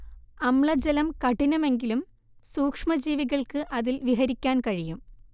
അമ്ലജലം കഠിനമെങ്കിലും സൂക്ഷമജീവികൾക്ക് അതിൽ വിഹരിക്കാൻ കഴിയും